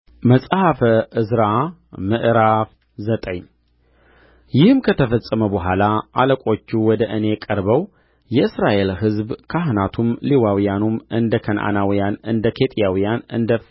መጽሐፈ ዕዝራ ምዕራፍ ዘጠኝ ይህም ከተፈጸመ በኋላ አለቆቹ ወደ እኔ ቀርበው የእስራኤል ሕዝብ ካህናቱም ሌዋውያኑም እንደ ከነዓናውያን እንደ ኬጢያውያን እንደ